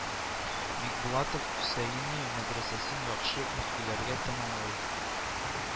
Бикбулатов Хөсәения мәдрәсәсен яхшы билгеләргә тәмамлый